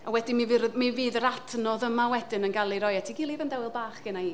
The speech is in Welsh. A wedyn mi fydd r- mi fydd yr adnodd yma wedyn yn cael ei roi at ei gilydd yn dawel bach gynna i.